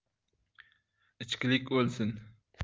ichkilik o'lsin